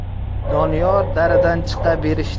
doniyor daradan chiqa